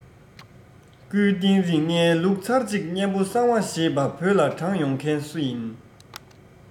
སྐུའི རྟེན རིགས ལྔའི ལུགས ཚར གཅིག གཉན པོ གསང བ ཞེས པ བོད ལ དྲངས ཡོང མཁན སུ ཡིན